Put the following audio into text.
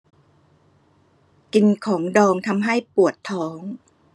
กินของดองทำให้ปวดท้อง